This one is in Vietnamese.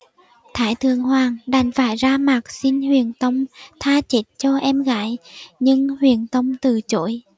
thái thượng hoàng đành phải ra mặt xin huyền tông tha chết cho em gái nhưng huyền tông từ chối